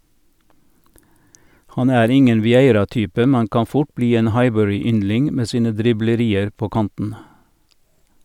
Han er ingen Vieira-type, men kan fort bli en Highbury-yndling med sine driblerier på kanten.